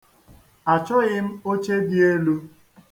Achọghị m oche dị elu.